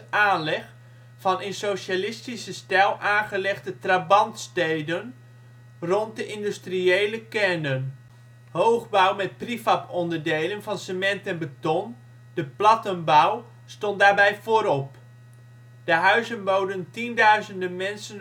aanleg van in socialistische stijl aangelegde trabantsteden rond de industriële kernen. Hoogbouw met prefabonderdelen van cement en beton, de " plattenbouw " stond daarbij voorop. De huizen boden tienduizenden mensen